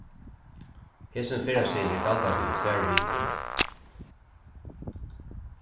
hesin ferðaseðil er galdandi í tvær vikur